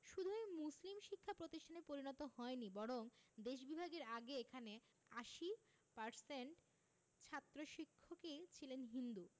শুধুই মুসলিম শিক্ষা প্রতিষ্ঠানে পরিণত হয় নি বরং দেশ বিভাগের আগে এখানে ৮০% ছাত্র শিক্ষকই ছিলেন হিন্দু